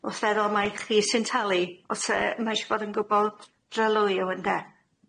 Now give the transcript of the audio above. Wrth feddwl mae chi sy'n talu ose- ma' isio bod yn gwbwl dryloyw ynde?